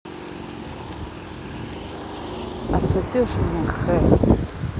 отсосешь мне хуй